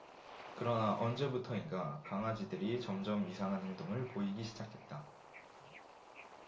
그러나 언제부터인가 강아지들이 점점 이상한 행동을 보이기 시작했다